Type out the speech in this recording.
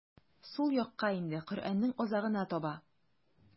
Сул якка инде, Коръәннең азагына таба.